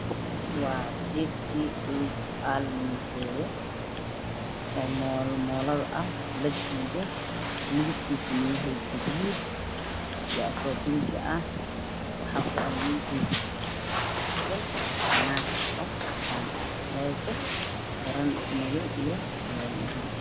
Waa geedka lugu aalamiiteeyo oo moolomoolada ah, lajiido, midabkiisu waa gaduud ama bingi waxaa ku aalamiiteyneyso naag cadaan ah oo wadato garan madow iyo surwaalo madow.